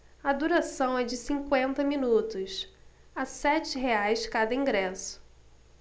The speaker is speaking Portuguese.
a duração é de cinquenta minutos a sete reais cada ingresso